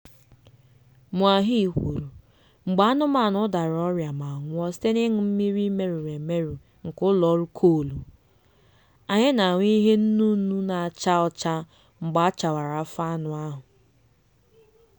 Moahi kwuru, "Mgbe anụmanụ dara ọrịa ma nwụọ site n'ịṅụ mmiri merụrụ emerụ nke ụlọọrụ koolu, anyị na-ahụ ihe nnu nnu na-acha ọcha mgbe a chawara afọ anụ ahụ,"